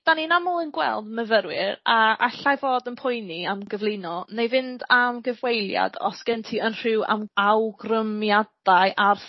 'dan ni'n aml yn gweld myfyrwyr a allai fod yn poeni am gyflino neu fynd am gyfweiliad os gen ti ynrhyw yym awgrymiadau ar